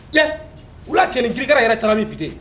Cɛ wula laceni g yɛrɛ tabipite